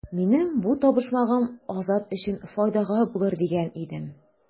Минем бу табышмагым Азат өчен файдага булыр дигән идем.